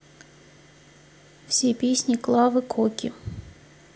все песни клавы коки